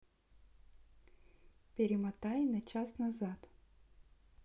перемотай на час назад